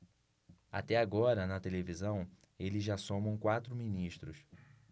até agora na televisão eles já somam quatro ministros